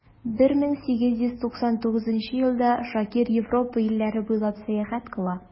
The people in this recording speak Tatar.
1899 елда шакир европа илләре буйлап сәяхәт кыла.